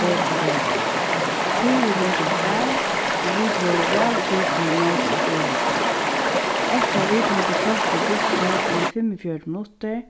betri veður túrurin gekk væl og vit vórðu væl tikin ímóti á flogvøllinum eftir at vit høvdu koyrt í bussi í fimmogfjøruti minuttir